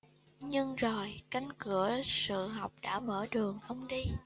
nhưng rồi cánh cửa sự học đã mở đường ông đi